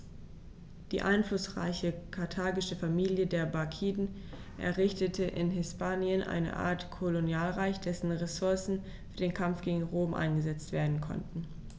Die einflussreiche karthagische Familie der Barkiden errichtete in Hispanien eine Art Kolonialreich, dessen Ressourcen für den Kampf gegen Rom eingesetzt werden konnten.